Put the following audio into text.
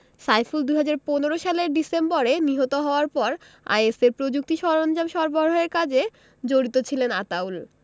সাইফুল ২০১৫ সালের ডিসেম্বরে নিহত হওয়ার পর আইএসের প্রযুক্তি সরঞ্জাম সরবরাহের কাজে জড়িত ছিলেন আতাউল